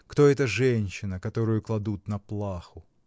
кто эта женщина, которую кладут на плаху.